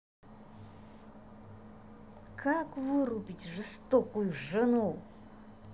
как вырубить жестокую жену